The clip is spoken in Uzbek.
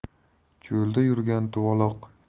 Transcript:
cho'lda yurgan tuvaloq